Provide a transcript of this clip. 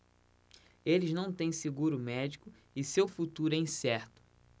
eles não têm seguro médico e seu futuro é incerto